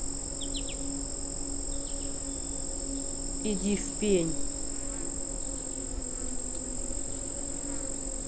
иди в пень